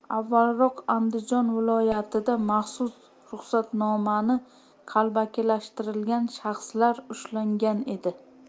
avvalroq andijon viloyatida maxsus ruxsatnomani qalbakilashtirgan shaxslar ushlangan edi